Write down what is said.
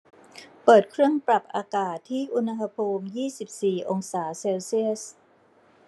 เปิดเครื่องปรับอากาศที่อุณหภูมิยี่สิบสี่องศาเซลเซียส